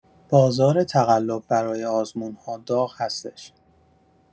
بازار تقلب برای آزمون‌‌ها داغ هستش!